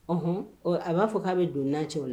Ɔnhɔn ɔ a b'a fɔ k'a be don n'a cɛ o la